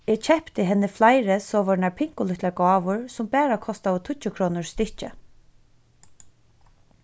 eg keypti henni fleiri sovorðnar pinkulítlar gávur sum bara kostaðu tíggju krónur stykkið